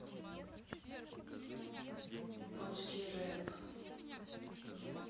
русский реп